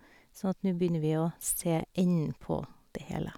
Sånn at nu begynner vi å se enden på det hele.